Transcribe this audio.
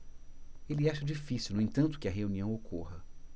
ele acha difícil no entanto que a reunião ocorra